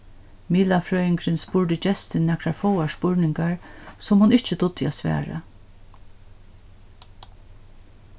miðlafrøðingurin spurdi gestin nakrar fáar spurningar sum hon ikki dugdi at svara